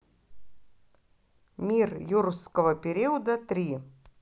мир юрского периода три